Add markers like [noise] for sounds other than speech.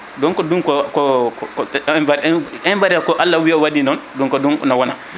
donc ɗum ko ko ko [hesitation] ko Allah waɗi noon donc ne wona